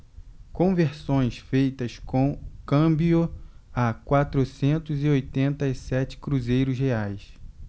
conversões feitas com câmbio a quatrocentos e oitenta e sete cruzeiros reais